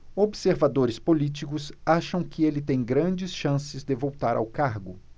observadores políticos acham que ele tem grandes chances de voltar ao cargo